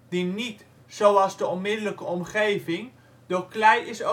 die niet - zoals de onmiddellijke omgeving - door klei is overspoeld